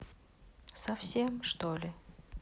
совсем что ли